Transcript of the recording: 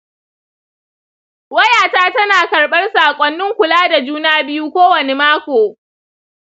wayata tana karɓar saƙonnin kula da juna biyu kowane mako.